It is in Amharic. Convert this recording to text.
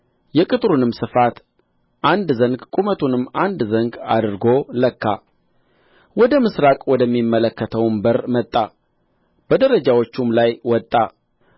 የቅጥሩንም ስፋት አንድ ዘንግ ቁመቱንም አንድ ዘንግ አድርጎ ለካ ወደ ምሥራቅ ወደሚመለከተውም በር መጣ በደረጃዎቹም ላይ ወጣ